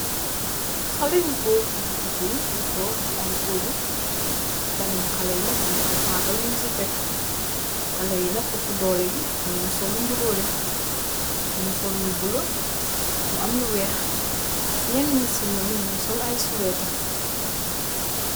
Xele yu goor ak jigéen yu tog si ay togu si kanami xala mongi am taabul yun si teck xale nak opu dole bi nyu GI ndurole nyugi sol lu bulo mogi ma lu weex nyena si nyom nyugi sol suweta.